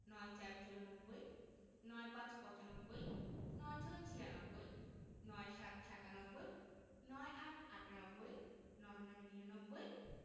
৯৪ চুরানব্বই ৯৫ পচানব্বই ৯৬ ছিয়ানব্বই ৯৭ সাতানব্বই ৯৮ আটানব্বই ৯৯ নিরানব্বই